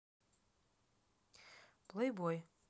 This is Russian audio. плейбой